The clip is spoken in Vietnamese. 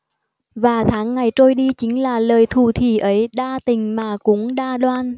và tháng ngày trôi đi chính là lời thủ thỉ ấy đa tình mà cũng đa đoan